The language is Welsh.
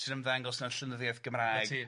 sy'n ymddangos na'r llenyddiaeth Gymraeg... 'Na ti...